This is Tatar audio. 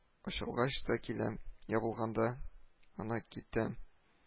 Ачылгач та киләм. ябылганда гына китәм